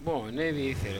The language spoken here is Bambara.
Bon ne bi fɛ